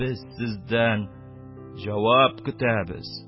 Без сездән җавап көтәбез...